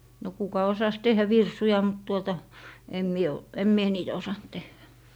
no kuka osasi tehdä virsuja mutta tuota en minä ole en minä niitä osannut tehdä